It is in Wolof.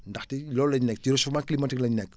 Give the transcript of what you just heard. ndaxte loolu lay ne ci réchauffement climatique la ñu nekk